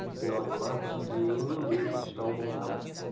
tem nove quartos e em um deles está o mordomo